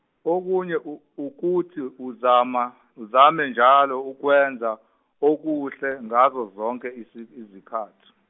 okunye u- ukuthi uzama uzame njalo ukwenza okuhle ngazo zonke izi- izikhathi.